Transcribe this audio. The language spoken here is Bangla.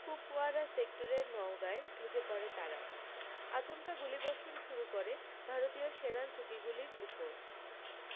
কুপওয়ারা সেক্টরের নওগাঁয় ঢুকে পড়ে তারা আচমকা গুলি বর্ষণ শুরু করে ভারতীয় সেনা চুকিগুলির উপর